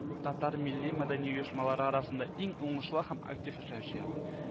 Татар милли-мәдәни оешмалары арасында иң уңышлы һәм актив эшләүче